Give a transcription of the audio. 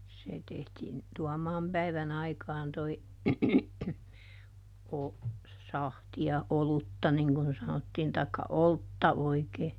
se tehtiin Tuomaan päivä aikaan tuo - sahtia olutta niin kuin sanottiin tai oltta oikein